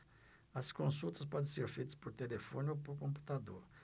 as consultas podem ser feitas por telefone ou por computador